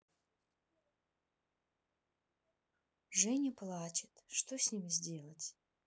женя плачет что с ним сделать